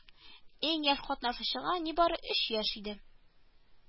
Иң яшь катнашучыга нибары өч яшь иде